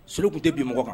So tun tɛ binmɔgɔ kan